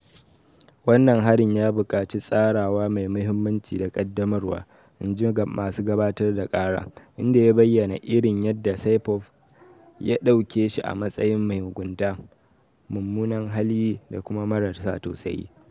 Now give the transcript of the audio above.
Wannan harin ya buƙaci "tsarawa mai mahimmanci da ƙaddamarwa," in ji masu gabatar da ƙara, inda ya bayyana irin yadda Saipov ya ɗauke shi a matsayin "mai mugunta, mummunan hali da kuma mara sa tausayi."